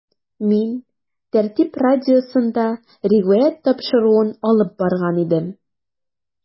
“мин “тәртип” радиосында “риваять” тапшыруын алып барган идем.